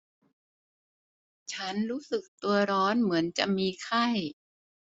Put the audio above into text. ฉันรู้สึกตัวร้อนเหมือนจะมีไข้